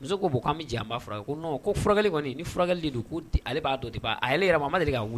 Muso ko ko furakɛ kɔni ni furakɛli do ko ale b'a dɔn ale ma de